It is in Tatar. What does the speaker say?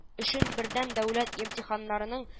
Өчен бердәм дәүләт имтиханнарының